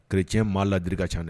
Recɛn maa ladiri ka ca dɛ